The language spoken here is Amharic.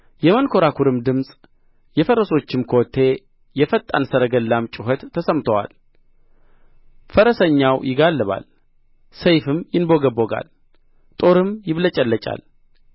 የመንኰራኵርም ድምፅ የፈረሶችም ኮቴ የፈጣን ሰረገላም ጩኸት ተሰምቶአል ፈረሰኛው ይጋልባል ሰይፍም ይንቦገቦጋል ጦርም ይብለጨለጫል